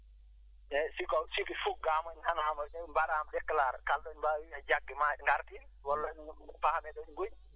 eeyi si ko siki fuggaama nan kam ɗe mbaɗaama déclaré kala ɗo ɗi mbaawi jaggeede maa ɗi ngartire walla ɗuma ɗum paamee ɗo ɗi ngoni